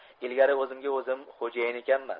ilgari o'zimga o'zim xo'jayin ekanman